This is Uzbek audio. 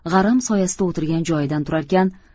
g'aram soyasida o'tirgan joyidan turarkan